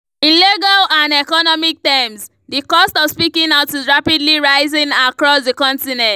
In legal and economic terms, the cost of speaking out is rapidly rising across the continent.